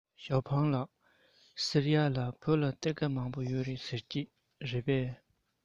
ཞའོ ཧྥུང ལགས ཟེར ཡས ལ བོད ལ གཏེར མང པོ ཡོད རེད ཟེར གྱིས རེད པས